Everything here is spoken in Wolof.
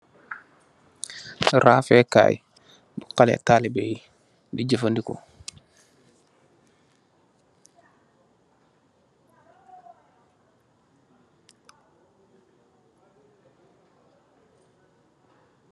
Rafeekai xaleh talibeh yi di jafandiko.